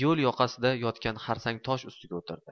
yo'l yoqasida yotgan xarsang tosh ustiga o'tirdi